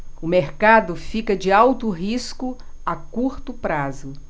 o mercado fica de alto risco a curto prazo